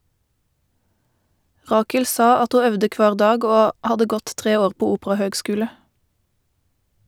Rakel sa at ho øvde kvar dag og hadde gått 3 år på operahøgskule.